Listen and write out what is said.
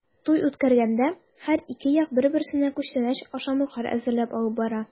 Туй үткәргәндә һәр ике як бер-берсенә күчтәнәч-ашамлыклар әзерләп алып бара.